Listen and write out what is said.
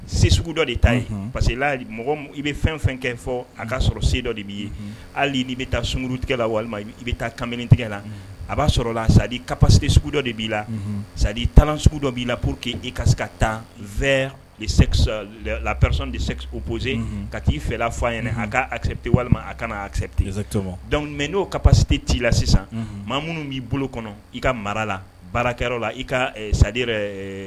Se sugu dɔ de ta pa la mɔgɔ i bɛ fɛn fɛn kɛ fɔ a ka sɔrɔ se dɔ de b' yen hali ni bɛ taa sunkuru tigɛ la walima i bɛ taa kamalen tigɛ la a b'a sɔrɔ la sadi pase sugu dɔ de b'i la sadi tanlan sugu dɔ b'i la pour que i kasi se ka taa n v lari de o boose ka t'i fɛ f' ɲɛna a ka agrepte walima a ka agreptezmɔ mɛ n'o ka pate t'i la sisan maa minnu b'i bolo kɔnɔ i ka mara la baarakɛyɔrɔ la i ka sadi yɛrɛ